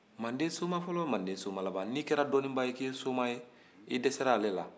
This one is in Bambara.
mqnde soma fɔlɔ ani mande soma laban n'i kɛra dɔnibaa ye k'i ye soma ye i dɛsɛra ale la